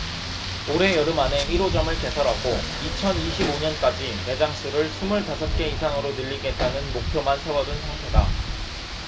올해 여름 안에 일 호점을 개설하고 이천 이십 오 년까지 매장 수를 스물 다섯 개 이상으로 늘리겠다는 목표만 세워둔 상태다